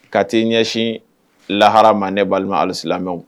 Ka' ɲɛsin lahara ma ne balimamu ali lamɛnmɛw